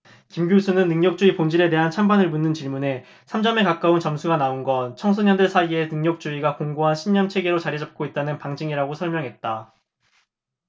김 교수는 능력주의 본질에 대한 찬반을 묻는 질문에 삼 점에 가까운 점수가 나온 건 청소년들 사이에 능력주의가 공고한 신념체계로 자리잡고 있다는 방증이라고 설명했다